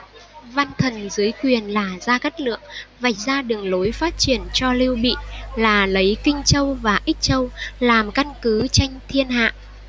văn thần dưới quyền là gia cát lượng vạch ra đường lối phát triển cho lưu bị là lấy kinh châu và ích châu làm căn cứ tranh thiên hạ